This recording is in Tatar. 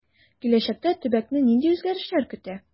Киләчәктә төбәкне нинди үзгәрешләр көтә?